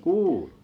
kuului